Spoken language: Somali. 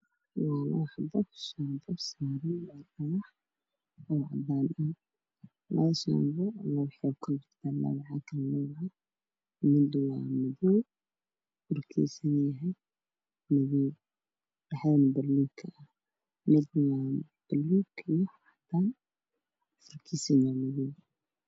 Halkan waxaa ku jira banbanooni io basal waxaa agsaaran moos io liin